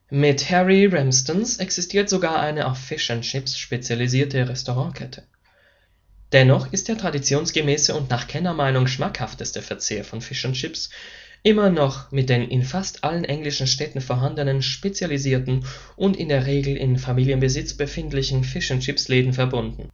Mit Harry Ramsden’ s existiert sogar eine auf Fish and Chips spezialisierte Restaurant-Kette. Dennoch ist der traditionsgemäße und nach Kennermeinung schmackhafteste Verzehr von Fish’ n’ Chips immer noch mit den in fast allen englischen Städten vorhandenen, spezialisierten und in der Regel in Familienbesitz befindlichen Fish’ n’ Chips-Läden verbunden